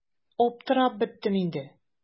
Аптырап беттем инде.